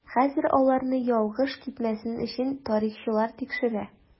Хәзер аларны ялгыш китмәсен өчен тарихчылар тикшерә.